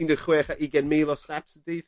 un deg chwech a ugen mil o steps y dydd.